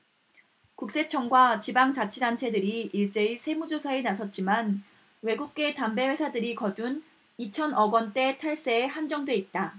국세청과 지방자치단체들이 일제히 세무조사에 나섰지만 외국계 담배회사들이 거둔 이천 억원대 탈세에 한정돼 있다